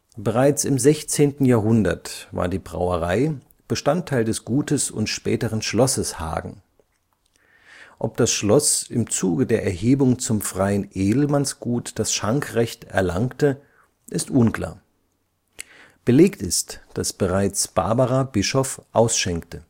Bereits im 16. Jahrhundert war die Brauerei Bestandteil des Gutes und späteren Schlosses Hagen. Ob das Schloss im Zuge der Erhebung zum freien Edelmannsgut das Schankrecht erlangte, ist unklar. Belegt ist, dass bereits Barbara Bischof ausschenkte